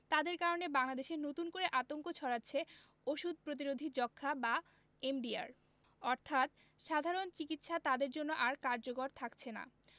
তাদের কারণে বাংলাদেশে নতুন করে আতঙ্ক ছড়াচ্ছে ওষুধ প্রতিরোধী যক্ষ্মা বা এমডিআর অর্থাৎ সাধারণ চিকিৎসা তাদের জন্য আর কার্যকর থাকছেনা